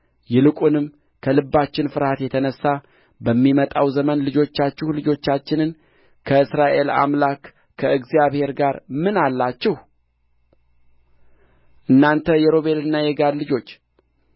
ይልቁንም ከልባችን ፍርሃት የተነሣ በሚመጣው ዘመን ልጆቻችሁ ልጆቻችንን ከእስራኤል አምላክ ከእግዚአብሔር ጋር ምን አላችሁ እናንተ የሮቤልና የጋድ ልጆች